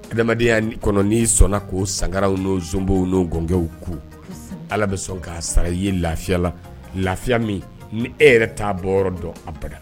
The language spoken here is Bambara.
Adamadenya kɔnɔ n'i sɔnna ko sangaraw n'o zimbow n'o gɔnkɛw kun, kosɛbɛ, allah bɛ sɔn k'a sara i ye lafiyala, lafiya min ni e yɛrɛ t'a bɔ yɔrɔ dɔn abada